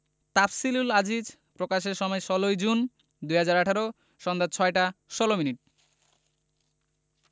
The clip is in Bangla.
তাফসিলুল আজিজ প্রকাশের সময় ১৬জুন ২০১৮ সন্ধ্যা ৬টা ১৬ মিনিট